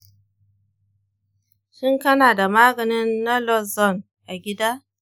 shin kana da maganin naloxone a gida?